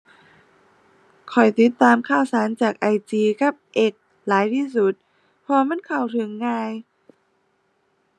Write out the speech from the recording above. ข้อยติดตามข่าวสารจาก IG กับ X หลายที่สุด เพราะว่ามันเข้าถึงง่าย